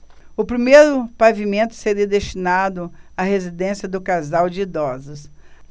o primeiro pavimento seria destinado à residência do casal de idosos